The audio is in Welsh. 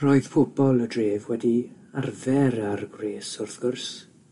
Roedd pobol y dref wedi arfer â'r gwres wrth gwrs